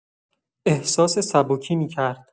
احساس سبکی می‌کرد.